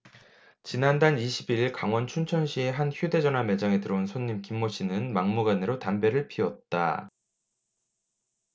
지난달 이십 일 강원 춘천시의 한 휴대전화 매장에 들어온 손님 김모 씨는 막무가내로 담배를 피웠다